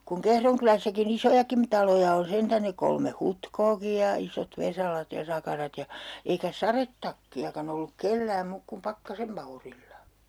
kun Kehron kylässäkin isojakin taloja on sentään ne kolme Hutkoakin ja isot Vesalat ja Sakarat ja eikä sadetakkiakaan ollut kenelläkään muuta kuin Pakkasen Maurilla